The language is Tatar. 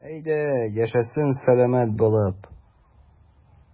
Әйдә, яшәсен сәламәт булып.